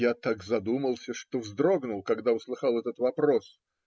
Я так задумался, что вздрогнул, когда услыхал этот вопрос.